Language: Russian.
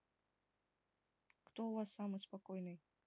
кто у вас самый спокойный